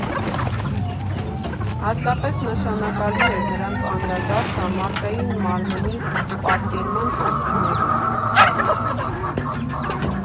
Հատկապես նշանակալի էր նրանց անդրադարձը մարդկային մարմնի պատկերման խնդիրներին։